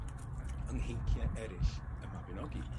yng ngheincie eryll y Mabinogi.